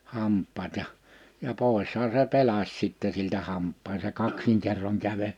hampaat ja ja poishan se pelasi sitten siltä hampaan se kaksinkerroin käveli